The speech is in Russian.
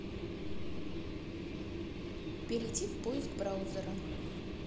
перейти в поиск браузера